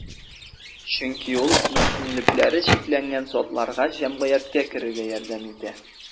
Чөнки ул мөмкинлекләре чикләнгән затларга җәмгыятькә керергә ярдәм итә.